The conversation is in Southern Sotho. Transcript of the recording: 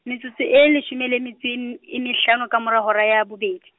metsotso e leshome le metso e m-, e mehlano ka morao hora ya bobedi.